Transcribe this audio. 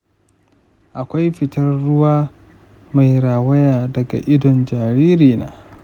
akwai fitar ruwa mai rawaya daga idon jaririna.